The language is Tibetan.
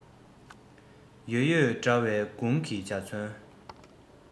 ཡོད ཡོད འདྲ བའི དགུང གི འཇའ ཚོན